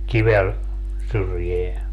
kivelle syrjään